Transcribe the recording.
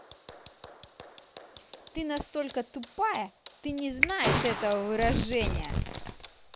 ты настолько тупая ты не знаешь этого выражения